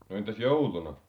no entäs jouluna